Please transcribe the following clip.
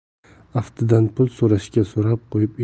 aftidan pul so'rashga so'rab qo'yib